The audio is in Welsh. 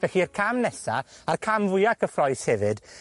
felly'r cam nesa, a'r cam fwya gyffrous hefyd,